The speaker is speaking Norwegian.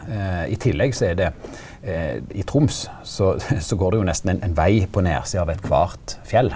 i tillegg så er det i Troms så så går det jo nesten ein ein veg på nedsida av eitkvart fjell.